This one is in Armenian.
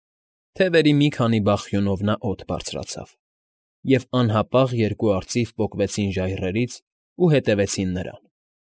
Թևերի մի քանի բախյունով նա օդ բարձրացավ, և անհապաղ երկու արծիվ պոկվեցին ժայռերից ու հետևեցին նրան։